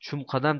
shum qadam